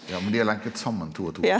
ja men dei er lenka saman to og to.